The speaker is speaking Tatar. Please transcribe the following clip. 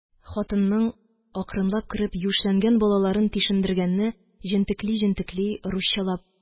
Хатынның акрынлап кереп, юешләнгән балаларын тишендергәнне җентекли-җентекли, русчалап: